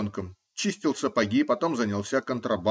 Чистил сапоги, потом занялся контрабандой.